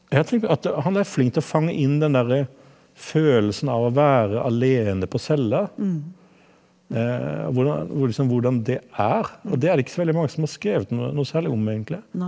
jeg tenker at han er flink til å fange inn den derre følelsen av å være alene på cella hvordan liksom hvordan det er og det er det ikke så veldig mange som har skrevet noe særlig om egentlig.